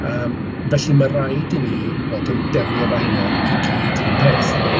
Yym, felly ma' raid i ni fod yn delio efo heina i gyd yr un peth.